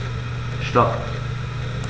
Stop.